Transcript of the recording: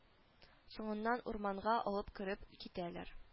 Соңыннан урманга алып кереп китәләр